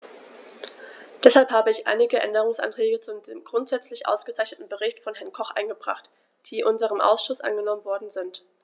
Deshalb habe ich einige Änderungsanträge zu dem grundsätzlich ausgezeichneten Bericht von Herrn Koch eingebracht, die in unserem Ausschuss angenommen worden sind.